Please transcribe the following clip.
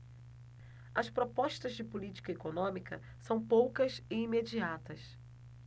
as propostas de política econômica são poucas e imediatas